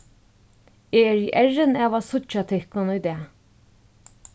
eg eri errin av at síggja tykkum í dag